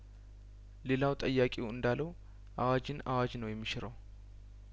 ሌላው ጠያቂው እንዳለው አዋጅን አዋጅ ነው የሚሽረው